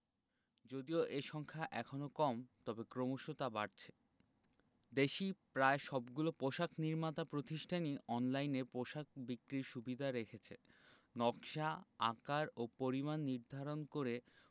যদিও এ সংখ্যা এখনো কম তবে ক্রমশ তা বাড়ছে দেশি প্রায় সবগুলো পোশাক নির্মাতা প্রতিষ্ঠানই অনলাইনে পোশাক বিক্রির সুবিধা রেখেছে নকশা আকার ও পরিমাণ নির্ধারণ করে